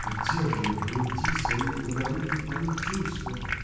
– Удерживать в груди своей благородный порыв чувства!.